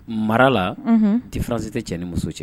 Marala tɛfiransi tɛ cɛ ni muso cɛ